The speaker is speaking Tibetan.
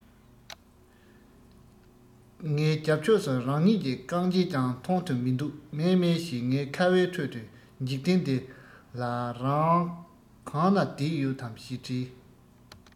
ངའི རྒྱབ ཕྱོགས སུ རང ཉིད ཀྱི རྐང རྗེས ཀྱང མཐོང དུ མི འདུག མཱེ མཱེ ཞེས ངས ཁ བའི ཁྲོད དུ འཇིག རྟེན འདི ལང རང གང ན བསྡད ཡོད དམ ཞེས དྲིས